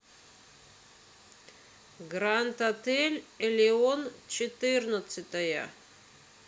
гранд отель элеон четырнадцатая